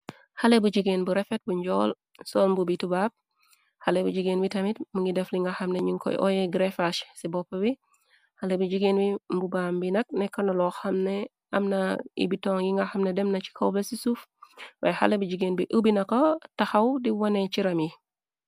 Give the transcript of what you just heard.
Xale bu jigeen bu refet, bu njool, sol mbubu bu tubab, xale bu jigeen bi tamit mu ngi defli nga xamne ñun koy oye grefas ci boppu bi, xale bu jigeen bi mbubaam bi nak nekka na loo xamne amna ay bitoŋ yi nga xamna dem na ci kaw ba ci suuf, waay xale bu jigeen bi ubbi nako taxaw di wone caram yi.